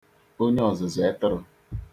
onye ọzụzụ etụrụ